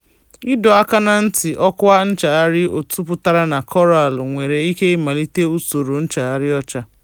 Ịdọ Aka Ná Ntị Ọkwa nchaghari Otu pụtara na Koraalụ nwere ike ịmalite usoro nchagharị ọcha.